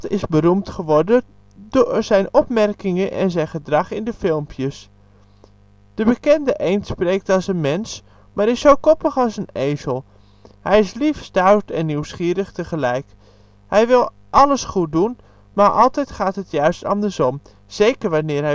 is beroemd geworden door zijn opmerkingen en zijn gedrag in de filmpjes. De bekende eend spreekt als een mens, maar is zo koppig als een ezel. Hij is lief, stout en nieuwsgierig tegelijk. Hij wil alles goed doen, maar altijd gaat het juist andersom. Zeker wanneer